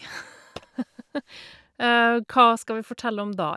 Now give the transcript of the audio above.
Hva skal vi fortelle om da?